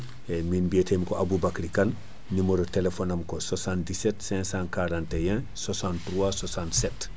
eyyi min biyatemi ko Aboubacry Kane numéro téléphone :far am ko 77 541 63 67